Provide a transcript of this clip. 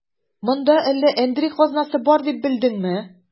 Монда әллә әндри казнасы бар дип белдеңме?